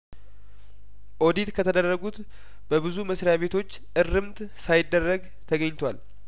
ኦዲት ከተደረጉት በብዙ መስሪያ ቤቶች እርምት ሳይደረግ ተገኝቷል